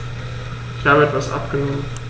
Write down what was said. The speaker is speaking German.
Ich habe etwas abgenommen.